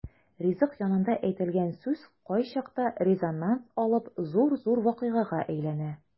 Ризык янында әйтелгән сүз кайчакта резонанс алып зур-зур вакыйгага әйләнә.